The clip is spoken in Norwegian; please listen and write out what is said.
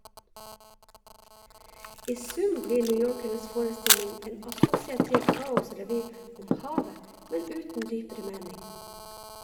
I sum blir newyorkernes forestilling en assosiativ kaosrevy om havet, men uten dypere mening.